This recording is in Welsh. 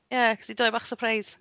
Ie ges i dou bach syrpreis.